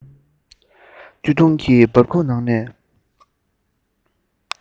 སྟོད ཐུང གི པར ཁུག ནས